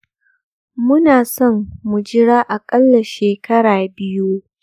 muna son mu jira aƙalla shekara biyu.